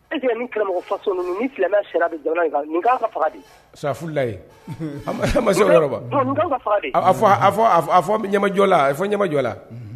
Lajɔjɔla